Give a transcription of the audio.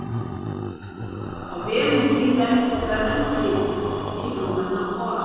á vegnum til lendið var ein brúgv yvir um eina á